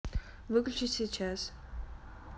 выключить сейчас